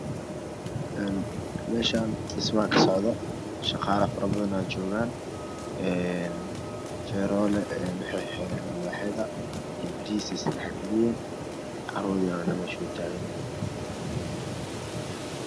Een meeshaan dhismaa kasocdo shaqaale fara badanaa jooogaan een feeroole ee waxay xireen alwaaxyada iyo bariis ay isdhex galiyeen caruur yar yarna meesha way taagan yihiin